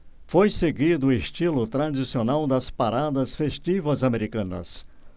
foi seguido o estilo tradicional das paradas festivas americanas